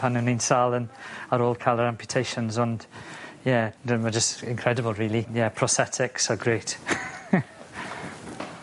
pan o'n i'n sâl yn ar ôl ca'l yr amputations ond ie na ma' jyst incredible rili. Ie prosetics are great.